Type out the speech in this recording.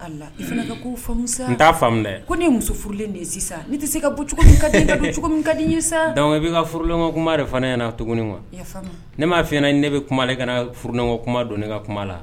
N ko ne muso furulen sisan ne tɛ se ka cogo di i bɛ furula kuma de fana ɲɛna tuguni ne m maa f ne bɛ kuma ale ka furukɔ kuma don ne ka kuma la